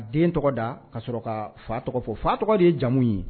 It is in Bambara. Den tɔgɔ da ka sɔrɔ ka fa tɔgɔ fɔ fa tɔgɔ de ye jamu in ye